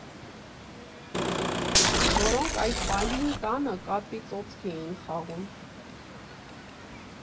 Որոնք այդ պահին տանը կատվի ճոճք էին խաղում։